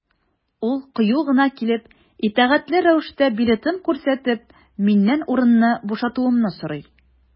Ул кыю гына килеп, итәгатьле рәвештә билетын күрсәтеп, миннән урынны бушатуымны сорый.